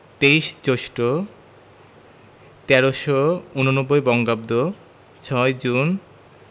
২৩ জ্যৈষ্ঠ ১৩৮৯ বঙ্গাব্দ ৬ জুন